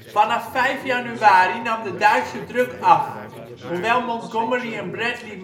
Vanaf 5 januari nam de Duitse druk af. Hoewel Montgomery en Bradley